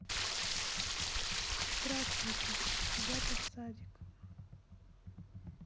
здравствуйте тебя то в садик